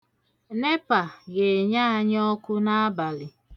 NEPA ga-enye anyị ọkụ n'abalị.